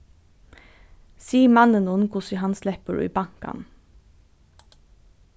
sig manninum hvussu hann sleppur í bankan